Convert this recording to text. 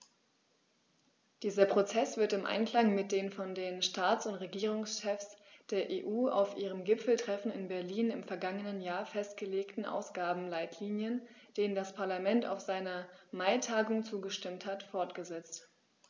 Dieser Prozess wird im Einklang mit den von den Staats- und Regierungschefs der EU auf ihrem Gipfeltreffen in Berlin im vergangenen Jahr festgelegten Ausgabenleitlinien, denen das Parlament auf seiner Maitagung zugestimmt hat, fortgesetzt.